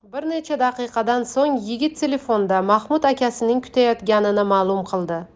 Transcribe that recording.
bir necha daqiqadan so'ng yigit telefonda mahmud akasining kutayotganini ma'lum qildi